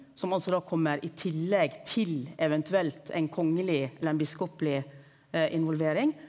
som altså da kjem i tillegg til eventuelt ein kongeleg eller ein biskoppeleg involvering.